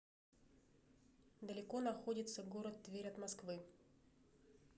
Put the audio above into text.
далеко находится город тверь от москвы